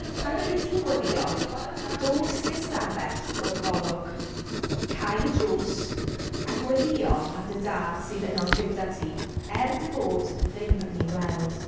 Pan fyddi di'n gweddïo, dos i ystafell o'r golwg, cau y drws a gweddïo â dy dad sydd yno gyda ti, er dy fod ddim yn ei weld.